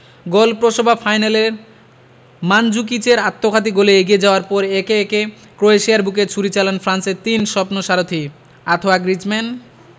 গোলপ্রসবা ফাইনালে মানজুকিচের আত্মঘাতী গোলে এগিয়ে যাওয়ার পর একে একে ক্রোয়েশিয়ার বুকে ছুরি চালান ফ্রান্সের তিন স্বপ্নসারথি আঁথোয়া গ্রিজমান